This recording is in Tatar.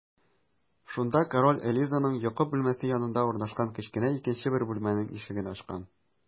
Шунда король Элизаның йокы бүлмәсе янында урнашкан кечкенә икенче бер бүлмәнең ишеген ачкан.